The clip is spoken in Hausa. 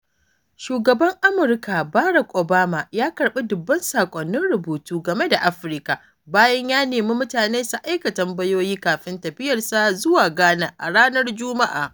Shugaban Amurka, Barack Obama, ya karɓi dubban saƙonnin rubutu game da Afirka bayan ya nemi mutane su aika tambayoyi kafin tafiyarsa zuwa Ghana a ranar Jumma’a.